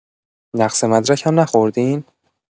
نقص مدرک هم نخوردین؟